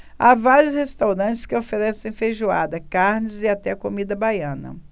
há vários restaurantes que oferecem feijoada carnes e até comida baiana